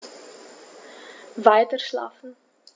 Weiterschlafen.